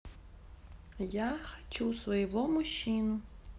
я хочу своего мужчину